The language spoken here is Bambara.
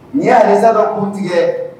N y yɛrɛsaka kun tigɛ